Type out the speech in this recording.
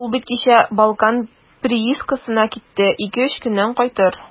Ул бит кичә «Балкан» приискасына китте, ике-өч көннән кайтыр.